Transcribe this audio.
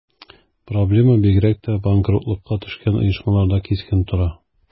Проблема бигрәк тә банкротлыкка төшкән оешмаларда кискен тора.